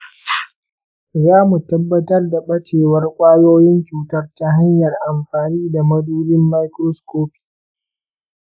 za mu tabbatar da bacewar kwayoyin cutar ta hanyar amfani da madubin microscopy.